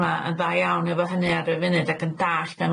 yma yn dda iawn efo hynny ar y funud ac yn dallt be'